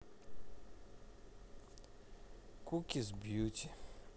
кукис бьюти